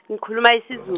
ngikhuluma isiZu-.